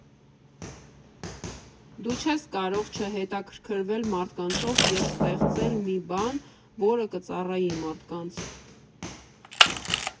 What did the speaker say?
Դու չես կարող չհետաքրքրվել մարդկանցով և ստեղծել մի բան, որը կծառայի մարդկանց։